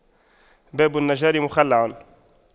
باب النجار مخَلَّع